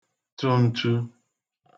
tụ ntu